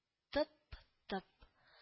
Тып-тып